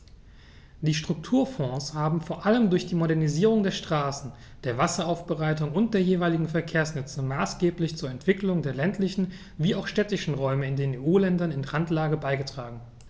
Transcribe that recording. Die Strukturfonds haben vor allem durch die Modernisierung der Straßen, der Wasseraufbereitung und der jeweiligen Verkehrsnetze maßgeblich zur Entwicklung der ländlichen wie auch städtischen Räume in den EU-Ländern in Randlage beigetragen.